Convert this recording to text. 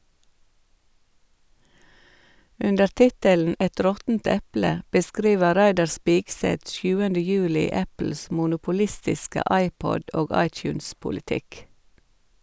Under tittelen "Et råttent eple" beskriver Reidar Spigseth 7. juli Apples monopolistiske iPod- og iTunes-politikk.